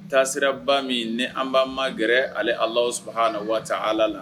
Taasiraba min ni an b'an magɛrɛ ale Alahu sabaha wataala la